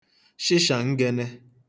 shịshàngēnē